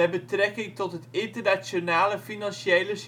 betrekking tot het internationale financiële